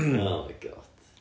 oh my god